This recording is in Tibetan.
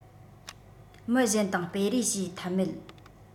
མི གཞན དང སྤེལ རེས བྱས ཐབས མེད